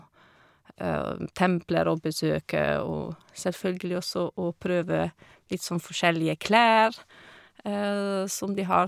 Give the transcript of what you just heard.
Templer å besøke og selvfølgelig også å prøve litt sånn forskjellige klær som de har.